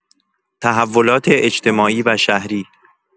تحولات اجتماعی و شهری